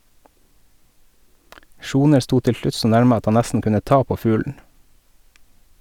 Sjoner sto til slutt så nærme at han nesten kunne ta på fuglen.